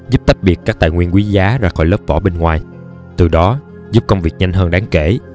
giúp tách biệt các tài nguyên quý giá ra khỏi lớp vỏ bên ngoài từ đó giúp công việc nhanh hơn đáng kể